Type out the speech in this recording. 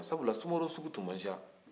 sabula sumaworo sugu tun ma ca